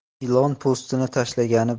ilon po'stini tashlagani